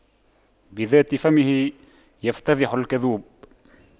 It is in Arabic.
بذات فمه يفتضح الكذوب